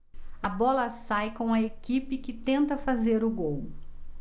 a bola sai com a equipe que tenta fazer o gol